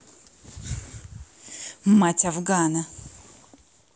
мать афгана